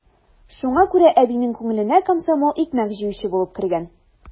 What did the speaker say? Шуңа күрә әбинең күңеленә комсомол икмәк җыючы булып кергән.